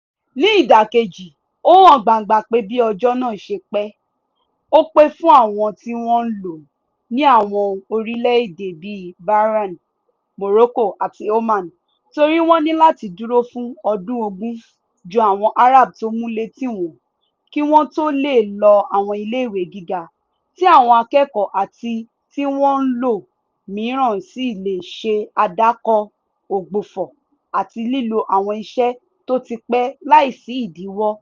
Ní ìdàkejì, ó hàn gbangba pé bí ọjọ́ náà ṣe pẹ́ ò pé fún àwọn tí wọ́n ń lòó ní àwọn orílẹ̀ èdè bí Bahrain, Morroco àti Oman, torí wọ́n ní láti dúró fún ọdún 20 ju àwọn Arab tó múlé tì wọ́n kí wọ́n tó lè lọ àwon iléèwé gíga, tí àwọn akẹ́kọ̀ọ́ àti tí wọ́n ń lò ó miran sì lè ṣe àdàkọ̀, ògbùfọ̀, àti lílo àwọn iṣẹ́ tó ti pẹ́ láì sí ìdíwọ́.